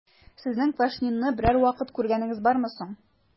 Сезнең Квашнинны берәр вакыт күргәнегез бармы соң?